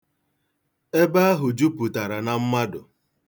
Ebe ahụ jupụtara na mmadụ.